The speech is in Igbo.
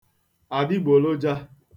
àdịgbòlojā